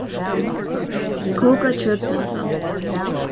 kókað kjøtpylsa